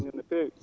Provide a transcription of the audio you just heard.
no feewi